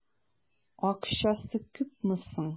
Акчасы күпме соң?